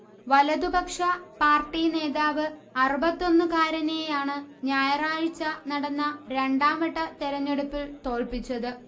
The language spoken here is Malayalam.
വലതു പക്ഷ പാർട്ടി നേതാവ് അറുപത്തൊന്നുകാരനേയാണ് ഞായറാഴ്ച നടന്ന രണ്ടാം വട്ട തെരഞ്ഞെടുപ്പിൽ തോല്പിച്ചത്